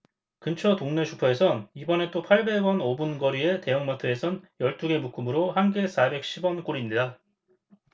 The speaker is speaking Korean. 근처 동네 슈퍼에선 이번엔 또 팔백 원 오 분 거리의 대형마트에선 열 두 개 묶음으로 한 개 사백 십 원꼴입니다